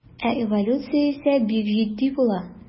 Ә эволюция исә бик җитди була.